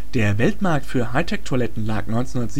Der Weltmarkt für High-Tech-Toiletten lag 1997